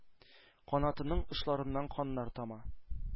Канатының очларыннан каннар тама,